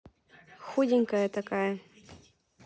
худенькая такая